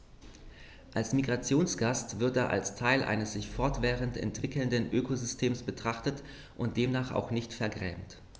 Als Migrationsgast wird er als Teil eines sich fortwährend entwickelnden Ökosystems betrachtet und demnach auch nicht vergrämt.